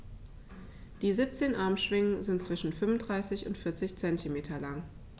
Die 17 Armschwingen sind zwischen 35 und 40 cm lang.